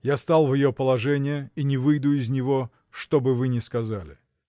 Я стал в ее положение и не выйду из него, что бы вы ни сказали.